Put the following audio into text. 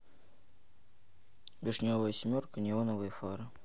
вишневая семерка неоновые фары